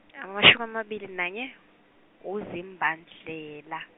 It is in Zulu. amashumi amabili nanye uZibandlela-.